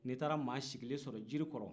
n'i taa maa sigilen sɔrɔ jiri kɔrɔ